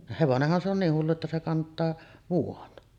hevonenhan se on niin hullu että se kantaa vuoden